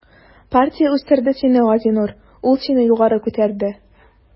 Партия үстерде сине, Газинур, ул сине югары күтәрде.